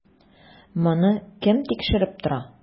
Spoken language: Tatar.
Моны кем тикшереп тора?